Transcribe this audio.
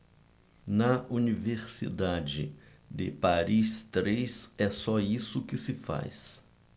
na universidade de paris três é só isso que se faz